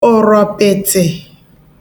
ụ̀rọ̀pị̀tị̀